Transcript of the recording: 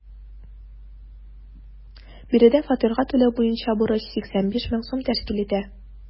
Биредә фатирга түләү буенча бурыч 85 мең сум тәшкил итә.